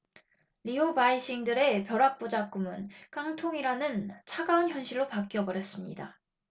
라오바이싱들의 벼락 부자 꿈은 깡통이란 차가운 현실로 바뀌어 버렸습니다